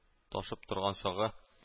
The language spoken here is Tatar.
Ташып торган чагы